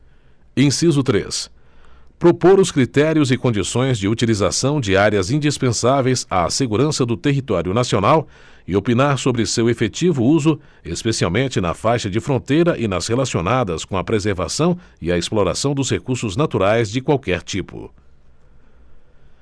inciso três propor os critérios e condições de utilização de áreas indispensáveis à segurança do território nacional e opinar sobre seu efetivo uso especialmente na faixa de fronteira e nas relacionadas com a preservação e a exploração dos recursos naturais de qualquer tipo